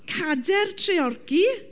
Cadair Treorci.